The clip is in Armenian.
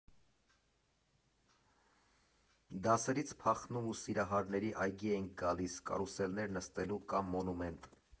Դասերից փախնում ու Սիրահարների այգի էինք գալիս՝ կարուսելներ նստելու, կամ Մոնումենտ։